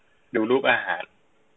ดูรูปอาหาร